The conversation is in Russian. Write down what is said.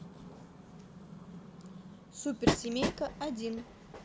суперсемейка один